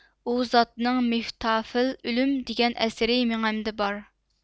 ئۇ زاتنىڭ مىفتاھىل ئۆلۈم دېگەن ئەسىرى مېڭەمدە بار